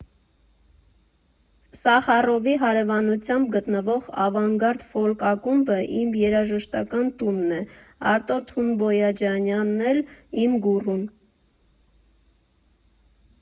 Սախարովի հարևանությամբ գտնվող Ավանգարդ Ֆոլք Ակումբը իմ երաժշտական տունն է, Արտո Թունջբոյաջյանն էլ՝ իմ գուռուն։